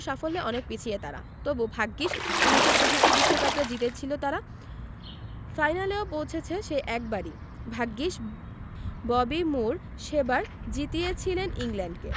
সাফল্যে অনেক পিছিয়ে তারা তবু ভাগ্যিস ১৯৬৬ বিশ্বকাপটা জিতেছিল তারা ফাইনালেও পৌঁছেছে সেই একবারই ভাগ্যিস ববি মুর সেবার জিতিয়েছিলেন ইংল্যান্ডকে